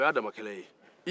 o y'a danmakɛlɛ ye